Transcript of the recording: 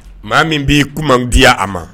Maa min b'i kuma bi a ma